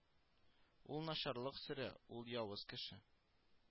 Ул начарлык сөрә, ул явыз кеше